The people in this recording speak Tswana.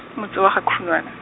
motse wa ga Khunwana.